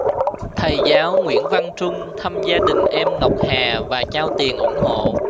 thầy giáo nguyễn văn trung thăm gia đình em ngọc hà và trao tiền ủng hộ